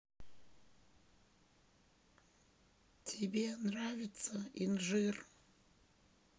тебе нравится инжир